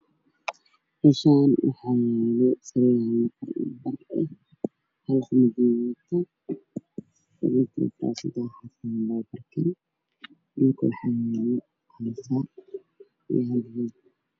Meeshaan waxaa yaalo sariir hal nafar iyo bar ah, waxaa saaran seddex barkin dhulkana waxaa yaalo cagasaar iyo hal roog.